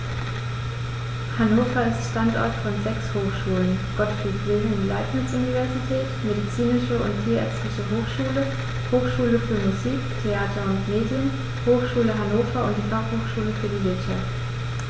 Hannover ist Standort von sechs Hochschulen: Gottfried Wilhelm Leibniz Universität, Medizinische und Tierärztliche Hochschule, Hochschule für Musik, Theater und Medien, Hochschule Hannover und die Fachhochschule für die Wirtschaft.